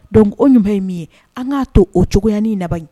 Donc o ɲuman ye min ye an k'a to o cogoyaani na in